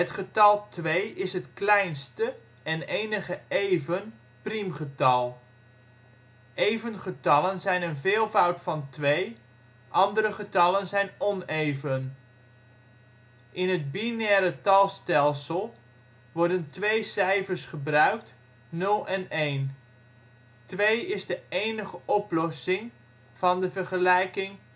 getal 2 is het kleinste (en enige even) priemgetal. Even getallen zijn een veelvoud van 2, andere getallen zijn oneven. In het binaire talstelsel worden twee cijfers gebruikt (0 en 1). 2 is de enige oplossing van de vergelijking